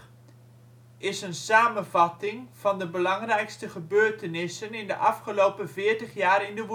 is een samenvatting van de belangrijkste gebeurtenissen in de afgelopen 40 jaar in de